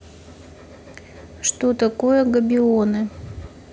что такое габионы